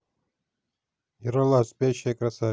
ералаш спящая красавица